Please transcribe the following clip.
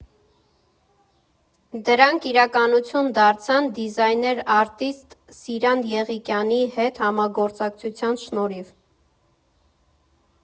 Դրանք իրականություն դարձան դիզայներ֊արտիստ Սիրան Եղիկյանի հետ համագործակցության շնորհիվ։